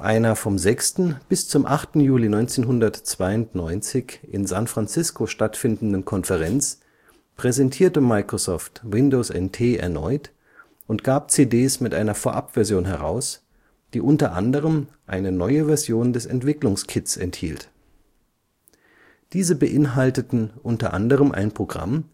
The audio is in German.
einer vom 6. bis zum 8. Juli 1992 in San Francisco stattfindenden Konferenz präsentierte Microsoft Windows NT erneut und gab CDs mit einer Vorabversion heraus, die unter anderem eine neue Version des Entwicklungskits enthielt. Diese beinhalteten unter anderem ein Programm,